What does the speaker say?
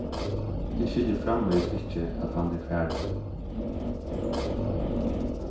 eg skilji framvegis ikki at hann er farin